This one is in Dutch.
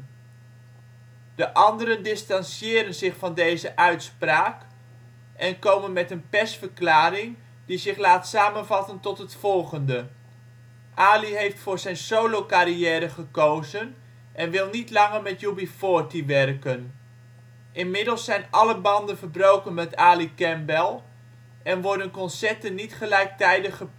anderen distantiëren zich van deze uitspraak en komen met een persverklaring die zich laat samenvatten tot het volgende: " Ali heeft voor zijn solocarrière gekozen en wil niet langer met UB40 werken ". Inmiddels zijn alle banden verbroken met Ali Campbell en worden concerten niet gelijktijdig